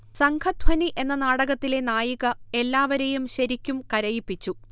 സംഘധ്വനി എന്ന നാടകത്തിലെ നായിക എല്ലാവരെയും ശരിക്കും കരയിപ്പിച്ചു